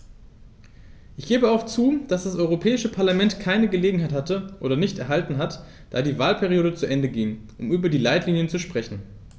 Ich gebe auch zu, dass das Europäische Parlament keine Gelegenheit hatte - oder nicht erhalten hat, da die Wahlperiode zu Ende ging -, um über die Leitlinien zu sprechen.